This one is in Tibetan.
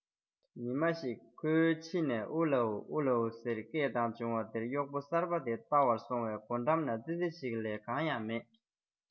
ཉི མ ཞིག སྒོའི ཕྱི ནས ཨུ ལའོ ཨུ ལའོ ཟེར སྐད བཏང བྱུང བ དེར གཡོག པོ གསར པ དེས ལྟ བར སོང བས སྒོ འགྲམ ན ཙི ཙི ཞིག ལས གང ཡང མེད ཡར སོང ནས སྒོ འགྲམ ན ཙི ཙི ཞིག གིས སྐད གཡོང བ ལས གཞན གང ཡང མི འདུག